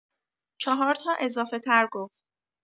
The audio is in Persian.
۴ تا اضافه‌تر گفت